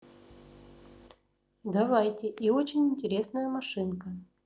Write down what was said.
давайте и очень интересная машинка